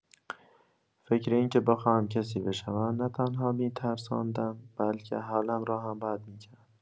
فکر اینکه بخواهم کسی بشوم، نه‌تنها می‌ترساندم، بلکه حالم را هم بد می‌کرد.